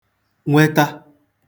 nwetà